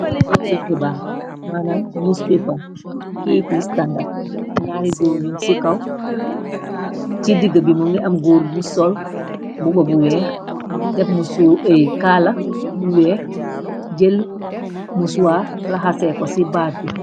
Keyti xibaar manam newspaper keyti yi standard ñyaari goor nun ci kaw ci digga bimo nga am góor bu sol mbobu bu weex def musot tëy kaala bu weex jël musuwar la xaseeko ci baat bi.